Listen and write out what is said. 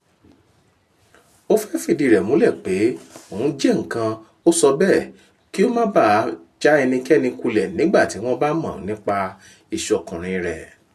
Ó fẹ́ fi ìdí rẹ̀ múlẹ̀ pé òun jẹ́ “ǹkan” ó sọ bẹ́ẹ̀, kí ó má ba à já ẹnikẹ́ni kulẹ nígbàtí wọ́n bá mọ̀ nípa ìṣọ̀kùnrin rẹ̀.